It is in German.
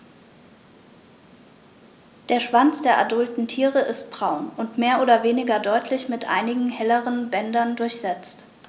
Der Schwanz der adulten Tiere ist braun und mehr oder weniger deutlich mit einigen helleren Bändern durchsetzt.